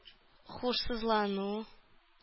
Һушсызлану